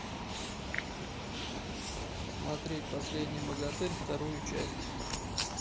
смотреть последний богатырь вторую часть